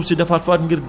nekk sax ba